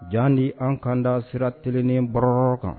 Jan di an kan da sira telinen baroyɔrɔ kan